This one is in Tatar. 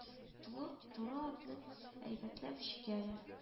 Тулы туры атны әйбәтләп җигәләр